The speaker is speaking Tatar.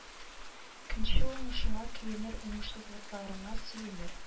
Көнче уңышыңа көенер уңышсызлыкларыңа сөенер